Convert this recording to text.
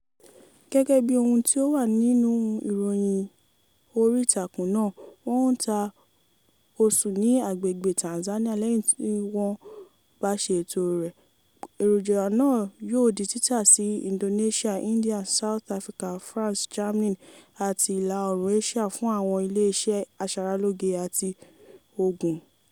Gẹ́gẹ́ bí ohun tí ó wà nínú ìròyìn orí ìtàkùn náà, wọ́n ń ta osùn ní agbègbè Tanzania lẹ́yìn tí wọ́n bá ṣe ètò rẹ̀, èròjà náà yóò di títa "sí Indonesia, India, South Africa, France, Germany àti ìlà oòrùn Asia fún àwọn ilé iṣẹ́ aṣaralóge àti oògùn".